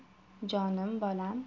jonim bolam